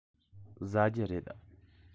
ཟ རྒྱུ རེད